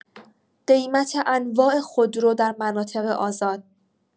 قیمت انواع خودرو در مناطق آزاد